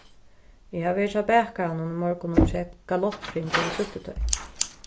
eg havi verið hjá bakaranum í morgun og keypt gallopkringlu við súltutoy